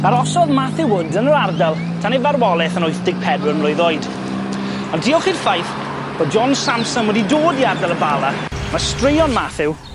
Arosodd Matthew Wood yn yr ardal tan ei farwolaeth yn wythdeg pedwar mlwydd oed ond diolch i'r ffaith bo' John Samson wedi dod i ardal y Bala ma' straeon Matthew